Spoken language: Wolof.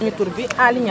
nuy tur bi Aly Niang